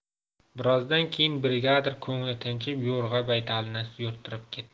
birozdan keyin brigadir ko'ngli tinchib yo'rg'a baytalini yo'rttirib ketdi